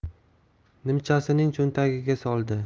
nimchasining cho'ntagiga soldi